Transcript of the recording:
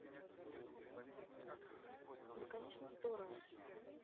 ну конечно здорово